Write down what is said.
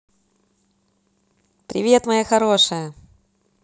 привет моя хорошая